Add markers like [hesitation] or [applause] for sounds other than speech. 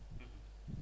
[hesitation] [hesitation]